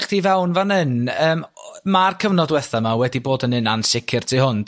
chdi fewn fan 'yn ma'r cyfnod wethau yma wedi bod yn un ansicr tu hwnt